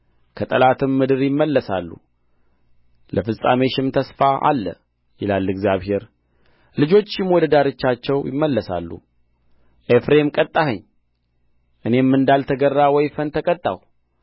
ከጠላትም ምድር ይመለሳሉ ለፍጻሜሽም ተስፋ አለ ይላል እግዚአብሔር ልጆችሽም ወደ ዳርቻቸው ይመለሳሉ ኤፍሬም ቀጣኸኝ እኔም እንዳልተገራ ወይፈን ተቀጣሁ